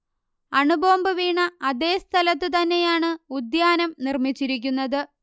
അണുബോംബ് വീണ അതേ സ്ഥലത്തു തന്നെയാണ് ഉദ്യാനം നിർമ്മിച്ചിരിക്കുന്നത്